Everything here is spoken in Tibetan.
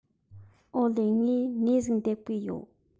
ཨོ ལེ ངས ནས ཟིག འདེབས གི ཡོད